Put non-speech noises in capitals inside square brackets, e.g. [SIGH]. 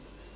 [HESITATION] [HESITATION]